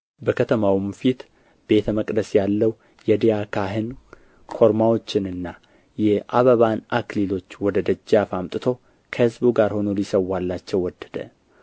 በከተማውም ፊት ቤተ መቅደስ ያለው የድያ ካህን ኮርማዎችንና የአበባን አክሊሎች ወደ ደጃፍ አምጥቶ ከሕዝቡ ጋር ሆኖ ሊሠዋላቸው ወደደ